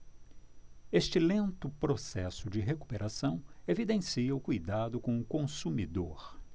este lento processo de recuperação evidencia o cuidado com o consumidor